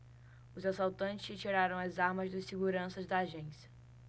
os assaltantes retiraram as armas dos seguranças da agência